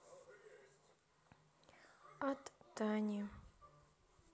от тани